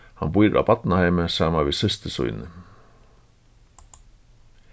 hann býr á barnaheimi saman við systur síni